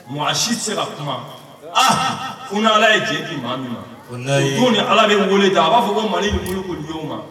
Maa si tɛ se ka kuma aa u ni ala ye jeliki maa min ma don ni ala bɛ weele da a b'a fɔ ko mali ɲɔn kan